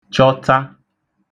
chọta